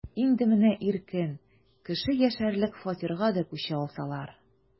Инде менә иркен, кеше яшәрлек фатирга да күчә алсалар...